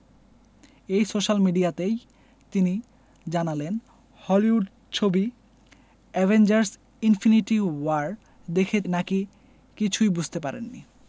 সেই সোশ্যাল মিডিয়াতেই তিনি জানালেন হলিউড ছবি অ্যাভেঞ্জার্স ইনফিনিটি ওয়ার দেখে নাকি কিছুই বুঝতে পারেননি